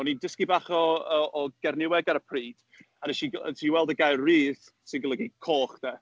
O'n i'n dysgu bach o o o Gernyweg ar y pryd, a wnes i g- wnes i weld y gair rudh, sy'n golygu coch de.